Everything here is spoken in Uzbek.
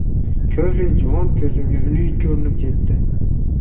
ko'hlik juvon ko'zimga xunuk ko'rinib ketdi